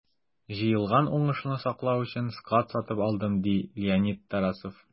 Җыелган уңышны саклау өчен склад сатып алдым, - ди Леонид Тарасов.